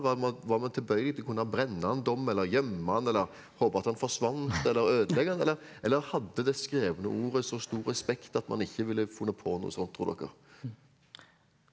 var man var man tilbøyelig til å kunne brenne en dom eller gjemme den eller håpe at han forsvant eller ødelegge den eller eller hadde det skrevne ordet så stor respekt at man ikke ville funnet på noe sånt tror dere?